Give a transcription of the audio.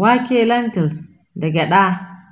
wake, lentils da gyada